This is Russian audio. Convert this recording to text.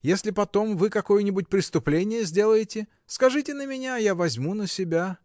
Если потом вы какое-нибудь преступление сделаете, скажите на меня: я возьму на себя.